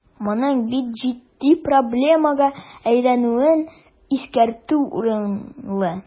Моның бик җитди проблемага әйләнүен искәртү урынлы.